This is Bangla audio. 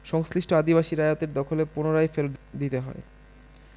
সংশ্লিষ্ট আদিবাসী রায়তের দখলে পুনরায় ফেরৎ দিতে হয়